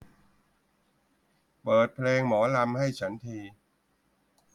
เปิดเพลงหมอลำให้ฉันที